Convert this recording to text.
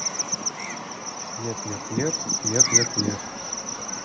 нет нет нет нет нет нет